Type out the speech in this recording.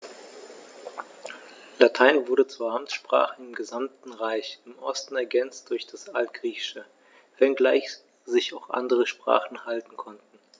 Latein wurde zur Amtssprache im gesamten Reich (im Osten ergänzt durch das Altgriechische), wenngleich sich auch andere Sprachen halten konnten.